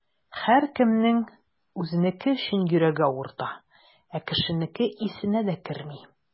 Һәркемнең үзенеке өчен йөрәге авырта, ә кешенеке исенә дә керми.